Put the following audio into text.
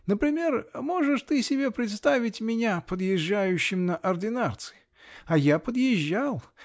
Например можешь ты себе представить меня подъезжающим на ординарцы? А я подъезжал